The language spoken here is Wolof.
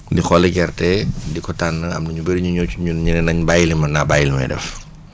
di xolli gerte di ko tànn am na ñu bëri ñu ñëw ci ñun ñu ne nañ bàyyi man naa bàyyi li may def